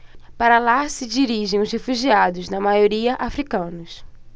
para lá se dirigem os refugiados na maioria hútus